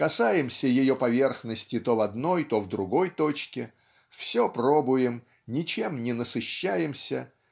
касаемся ее поверхности то в одной то в другой точке все пробуем ничем не насыщаемся